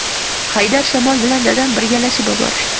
haydar shamol bilan dadam birgalashib oborishdi